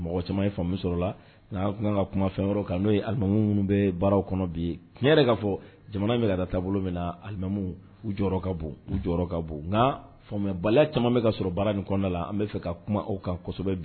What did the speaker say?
Mɔgɔ caman ye faamuyali sɔrɔ o la, an kan ka kuma fɛn wɛrɛ kan n'o ye alimami minnu bɛ baarw kɔnɔ bi, tiɲɛ yɛrɛ ka fɔ jamana in bɛ ka taa taabolo min na, alimamiw, u jɔyɔrɔ ka bon, u jɔyɔrɔ bon kan faamuyabaliya caman bɛ ka sɔrɔ baara in kɔnɔna na, an bɛ fɛ ka kuma o kan kosɛbɛ bi